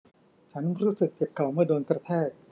ฉันรู้สึกเจ็บเข่าเมื่อโดนกระแทก